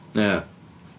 Ia.